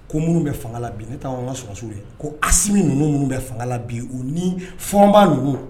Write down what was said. Ko minnu bɛ fanga la bi ne t'a fɔ an ka sɔrɔdasiw dɛ ko Asimi ninnu min bɛ fanga la bi u ni Fɔnba ninnu